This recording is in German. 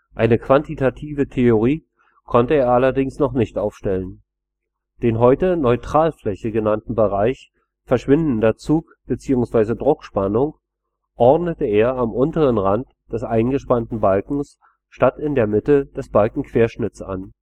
Eine quantitative Theorie konnte er allerdings noch nicht aufstellen. Den heute Neutralfläche genannten Bereich verschwindender Zug - bzw. Druckspannung ordnete er am unteren Rand des eingespannten Balkens statt in der Mitte des Balkenquerschnittes an